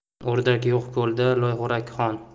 o'rdak yo'q ko'lda loyxo'rak xon